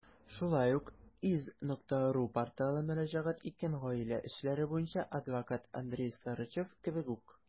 Шулай ук iz.ru порталы мөрәҗәгать иткән гаилә эшләре буенча адвокат Андрей Сарычев кебек үк.